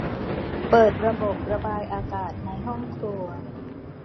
เปิดระบบระบายอากาศในห้องครัว